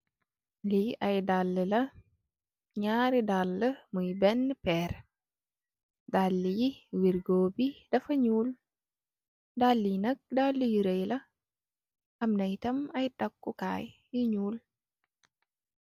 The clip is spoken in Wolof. Li ay dalla la, ñaari dalla muy benna péér. Dalla yi wirgo bi dafa ñuul , dalla yi nak dalla yu rèy la, am na yitam ay takku kai yu ñuul.